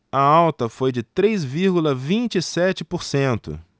a alta foi de três vírgula vinte e sete por cento